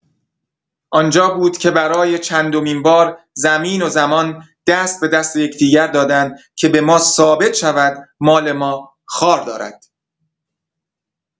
آنجا بود که برای چندمین بار زمین و زمان دست به دست یکدیگر دادند که به ما ثابت شود مال ما خار دارد!